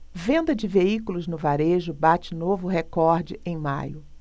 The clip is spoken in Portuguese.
venda de veículos no varejo bate novo recorde em maio